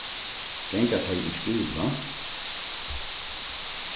ganga tey í skúla